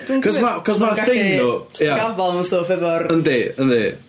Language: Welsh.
Cause ma'... cause ma' thing nhw... Gafael mewn stwff efo'r... Yndi, yndi.